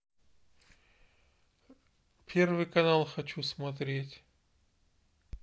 первый канал хочу смотреть